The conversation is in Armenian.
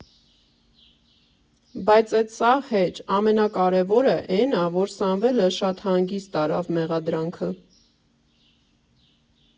Բայց էդ սաղ հեչ, ամենակարևորը էն ա, որ Սամվելը շատ հանգիստ տարավ մեղադրանքը։